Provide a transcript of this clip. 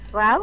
waaw